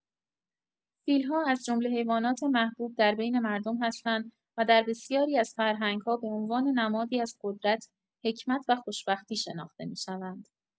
فیل‌ها از جمله حیوانات محبوب در بین مردم هستند و در بسیاری از فرهنگ‌ها به عنوان نمادی از قدرت، حکمت و خوشبختی شناخته می‌شوند.